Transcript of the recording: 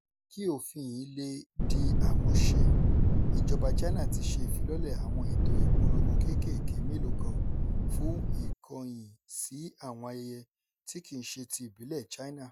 Kí òfin yìí lè di àmúṣẹ, ìjọba China ti ṣe ìfilọ́lẹ̀ àwọn ètò ìpolongo kéékèèké mélòó kan fún ìkọ̀yìn sí àwọn ayẹyẹ tí kì í ṣe ti ìbílẹ̀ China.